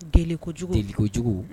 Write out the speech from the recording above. G kojugu deli kojugu